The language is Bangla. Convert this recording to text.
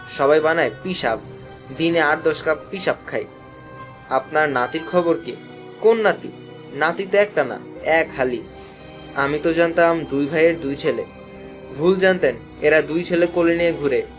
সবাই বানায় পিশাব দিনে ৮ ১০ কাপ পিশাব খাই আপনার নাতির খবর কি কোন নাতি না তো একটা না এক হালি আমি তো জানতাম দুই ভাইয়ের দুই ছেলে ভুল জানতেন এরা দুই ছেলে কোলে নিয়ে ঘুরে